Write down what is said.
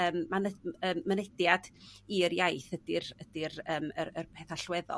yym man- yym mynediad i'r iaith ydi'r ydi'r yym yr yr peth allweddol